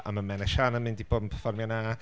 A ma' Menna Siân yn mynd i bod yn perfformio 'na.